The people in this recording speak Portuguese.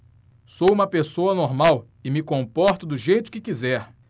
sou homossexual e me comporto do jeito que quiser